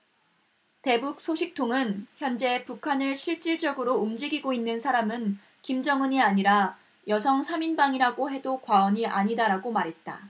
대북 소식통은 현재 북한을 실질적으로 움직이고 있는 사람은 김정은이 아니라 여성 삼 인방이라고 해도 과언이 아니다라고 말했다